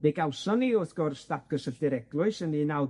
Mi gawson ni, wrth gwrs, datgysylltu'r Eglwys yn un naw